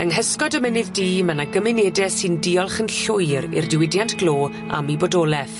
Yng nghysgod y Mynydd Du ma' 'na gymunede sy'n diolch yn llwyr i'r diwydiant glo am 'u bodoleth.